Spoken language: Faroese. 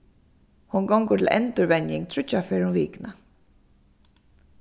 hon gongur til endurvenjing tríggjar ferðir um vikuna